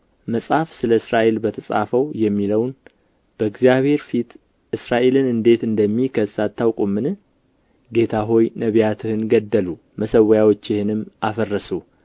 መጽሐፍ ስለ እስራኤል በተጻፈው የሚለውን በእግዚአብሔር ፊት እስራኤልን እንዴት እንደሚከስ አታውቁምን ጌታ ሆይ ነቢያትህን ገደሉ መሠዊያዎችህንም አፈረሱ